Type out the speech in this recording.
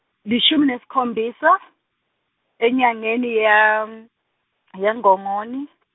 lishumi nesikhombisa, enyangeni yaN-, yeNgongoni.